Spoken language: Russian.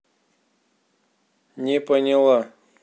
не поняла